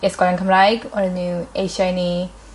i ysgolion Cymraeg on' odd n'w eisiau i ni